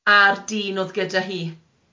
A'r dyn oedd gyda hi.